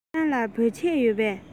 ཁྱེད རང ལ བོད ཆས ཡོད པས